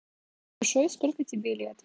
душой сколько тебе лет